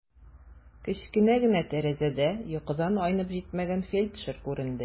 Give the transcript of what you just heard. Кечкенә генә тәрәзәдә йокыдан айнып җитмәгән фельдшер күренде.